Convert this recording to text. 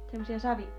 semmoisia -